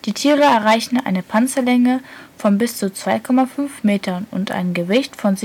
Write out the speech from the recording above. Tiere erreichen eine Panzerlänge von bis zu 2,5 Metern und ein Gewicht von